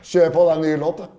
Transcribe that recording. kjør på, det er ny låt da.